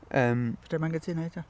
Yym... Fedra i'm anghtyno eto.